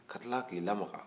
ka tila k'i lamaga